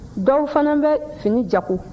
dɔw fana bɛ fini jago